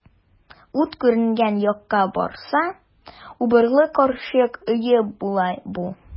Ут күренгән якка барса, убырлы карчык өе була бу.